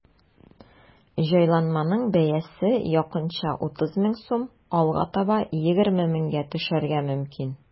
Җайланманың бәясе якынча 30 мең сум, алга таба 20 меңгә төшәргә мөмкин.